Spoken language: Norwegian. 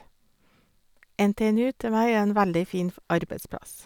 NTNU til meg er en veldig fin f arbeidsplass.